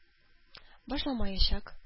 Башламаячак